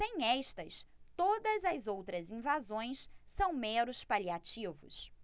sem estas todas as outras invasões são meros paliativos